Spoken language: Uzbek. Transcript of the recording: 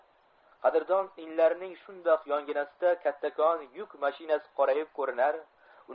qadrdon inlarining shundoq yonginasida kattakon yuk mashinasi qorayib ko'rinar